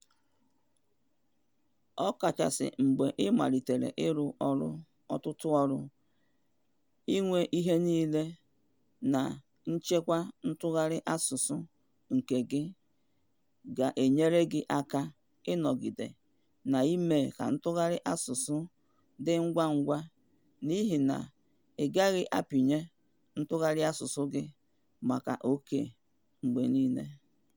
Ọkachasị mgbe ị malitere ịrụ ọtụtụ ọrụ, inwe ihe niile na nchekwa ntụgharị asụsụ nke gị ga-enyere gị aka ịnọgide ma mee ka ntụgharị asụsụ dị ngwangwa, n'ihina ị gaghị apịnye ntụgharị asụsụ gị maka "OK" mgbe niile.